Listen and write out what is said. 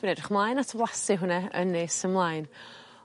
Dwi'n edrych ymlaen at flasu hwnne yn nes ymlaen.